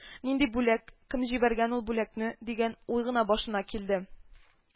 Нинди бүләк, кем җибәргән ул бүләкне, дигән уй гына башына килде